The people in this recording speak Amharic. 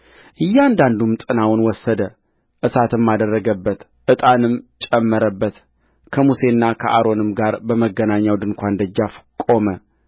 እያንዳንዱም ጥናውን ወሰደ እሳትም አደረገበት ዕጣንም ጨመረበት ከሙሴና ከአሮንም ጋር በመገናኛው ድንኳን ደጃፍ ቆመ